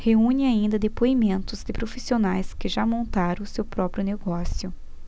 reúne ainda depoimentos de profissionais que já montaram seu próprio negócio